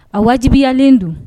A wajibiyalen don